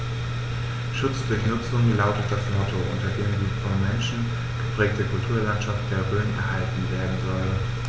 „Schutz durch Nutzung“ lautet das Motto, unter dem die vom Menschen geprägte Kulturlandschaft der Rhön erhalten werden soll.